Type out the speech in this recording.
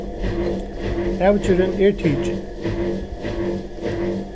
avgerðin er tikin